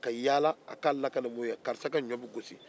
ka yaala a ka lakalen mɔgɔw ye